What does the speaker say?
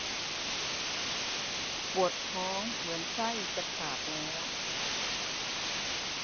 ปวดท้องเหมือนไส้จะขาดแล้ว